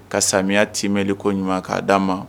Ka samiya timɛliko ɲuman k'a d'an ma